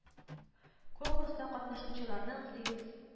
Конкурста катнашучыларның сигез